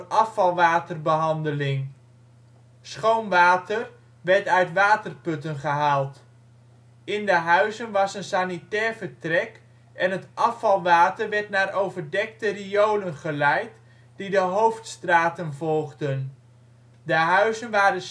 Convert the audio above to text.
afvalwaterbehandeling. Schoon water werd uit waterputten gehaald. In de huizen was een sanitair vertrek, en het afvalwater werd naar overdekte riolen geleid die de hoofdstraten volgden. De huizen waren slechts